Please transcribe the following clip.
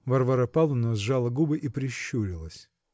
Варвара Павловна сжала губы и прищурилась.